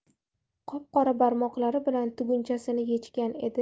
qop qora barmoqlari bilan tugunchasini yechgan edi